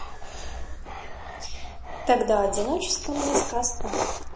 тогда одиночество мне сказка